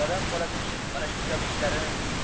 odam bolasining mana shu kabi ishlari